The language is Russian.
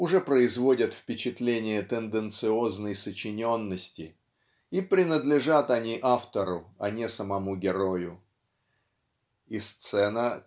уже производят впечатление тенденциозной сочиненности и принадлежат они автору а не самому герою. И сцена